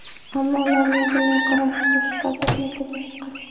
ammo ularning dunyo qarashi boshqa bizniki boshqa